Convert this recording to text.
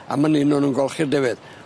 A man 'yn o'n nw'n golchi'r defyd.